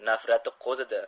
nafrati qo'zidi